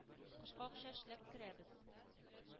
Кышка акча эшләп керәбез.